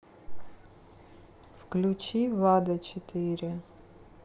выключи влада четыре